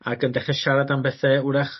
ag yn dechre siarad am bethe 'w'rach